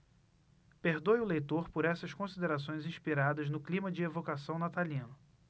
perdoe o leitor por essas considerações inspiradas no clima de evocação natalino